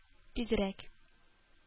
Тизрәк